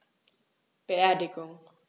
Beerdigung